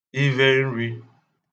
ivhe nrī